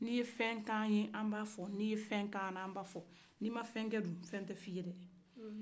ni ye fenka ye an b'a fɔ ni fenkana an b'a fɔ ni ma fen kɛ dun fɛ tɛ fɔ i ye dɛ